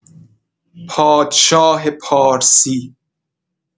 پادشاه پارسی